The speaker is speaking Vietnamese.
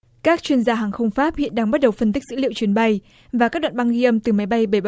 các chuyên gia hàng không pháp hiện đang bắt đầu phân tích dữ liệu chuyến bay và các đoạn băng ghi âm từ máy bay bảy